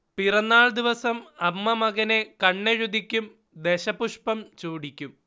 പിറന്നാൾ ദിവസം അമ്മ മകനെ കണ്ണെഴുതിക്കും, ദശപുഷ്പം ചൂടിക്കും